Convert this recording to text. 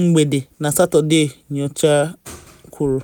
mgbede na Satọde, nyocha kwuru